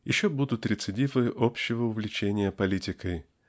Еще будут рецидивы общего увлечения политикой